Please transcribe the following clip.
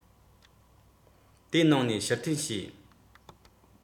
ནས འཛད སྤྱོད དང ཚོང ལས དང